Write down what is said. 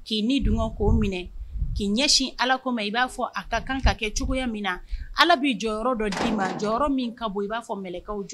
K'i ni dun k'o minɛ k'i ɲɛsin alako ma i b'a fɔ a ka kan ka kɛ cogoya min na ala bɛ jɔyɔrɔ dɔ d'i ma jɔyɔrɔ min ka bɔ i b'a fɔ mkaw jɔ